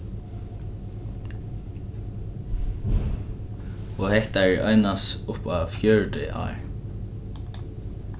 og hetta einans upp á fjøruti ár